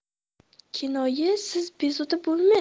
kennoyi siz bezovta bo'lmang